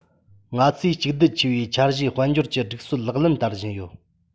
ང ཚོས གཅིག སྡུད ཆེ བའི འཆར གཞིའི དཔལ འབྱོར གྱི སྒྲིག སྲོལ ལག ལེན བསྟར བཞིན ཡོད